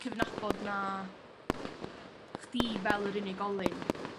cyfnabod na chdi fel yr unigolyn